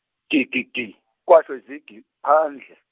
gi gi gi, kwasho izigi phandle.